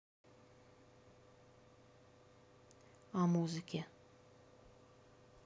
о музыке